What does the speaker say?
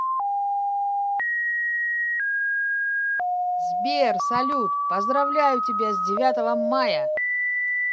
сбер салют поздравляю тебя с девятого мая